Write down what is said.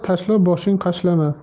tashlab boshing qashlama